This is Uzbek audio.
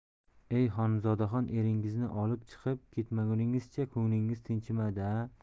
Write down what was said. ey xonzodaxon eringizni olib chiqib ketmaguningizcha ko'nglingiz tinchimadi ya